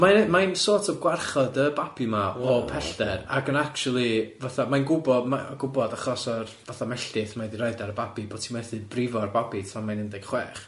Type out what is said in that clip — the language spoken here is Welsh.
Mae'n mae'n sort of gwarchod y babi 'ma o pellter, ac yn actually fatha mae'n gwbo ma- gwbod achos o'r fatha melltith mae 'di roid ar y babi bot hi methu brifo'r babi tan mae'n un deg chwech.